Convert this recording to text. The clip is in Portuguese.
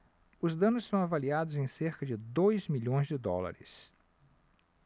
os danos são avaliados em cerca de dois milhões de dólares